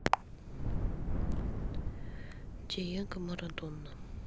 диего марадона